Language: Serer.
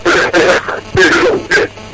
*